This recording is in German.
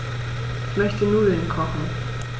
Ich möchte Nudeln kochen.